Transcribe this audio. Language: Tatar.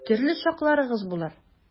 Төрле чакларыгыз булыр.